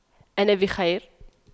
أنا بخير